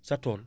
sa tool